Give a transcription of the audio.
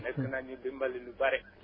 nekk nañu dimbalu lu bari